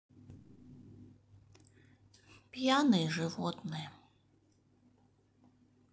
пьяные животные